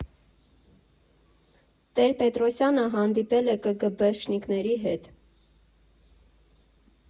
Տեր֊Պետրոսյանը հանդիպել է ԿԳԲշ֊նիկների հետ։